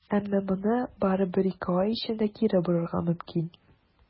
Әмма моны бары бер-ике ай эчендә кире борырга мөмкин.